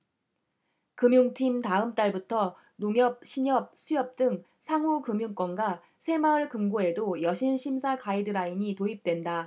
금융팀 다음 달부터 농협 신협 수협 등 상호금융권과 새마을금고에도 여신심사 가이드라인이 도입된다